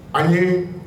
A